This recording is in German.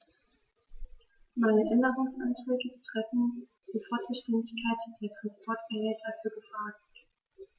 Meine Änderungsanträge betreffen die Frostbeständigkeit der Transportbehälter für Gefahrgut.